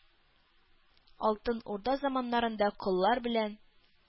Алтын Урда заманнарында коллар белән